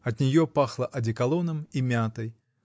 От нее пахло одеколоном и мятой.